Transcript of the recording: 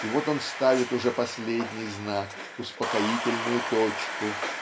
и вот он ставит уже последний знак успокоительную точку.